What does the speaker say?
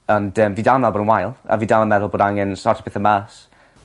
Ond yym fi dal yn meddwl bod e'n wael a fi dal yn meddwl bod angen sorto pethe mas.